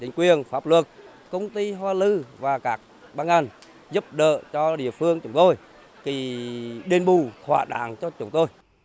chính quyền pháp luật công ty hoa lư và các ban ngành giúp đỡ cho địa phương chúng tôi thì đền bù thỏa đáng cho chúng tôi